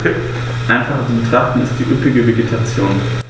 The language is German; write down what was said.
Einfacher zu betrachten ist die üppige Vegetation.